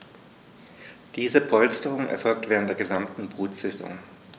Diese Polsterung erfolgt während der gesamten Brutsaison.